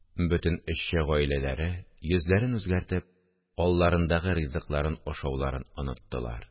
Бөтен эшче гаиләләре, йөзләрен үзгәртеп, алларындагы ризыкларын ашауларын оныттылар